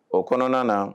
O kɔnɔna na